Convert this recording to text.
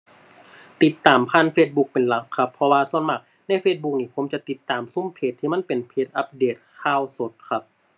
ติดตามผ่าน Facebook เป็นหลักครับ เพราะว่าส่วนมากใน Facebook นี้ ผมจะติดตามซุมเพจที่มันเป็นเพจอัปเดตข่าวสดครับ